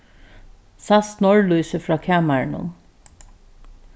sæst norðlýsið frá kamarinum